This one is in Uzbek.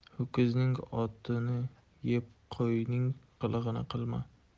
ho'kizning o'tini yeb qo'yning qilig'ini qilma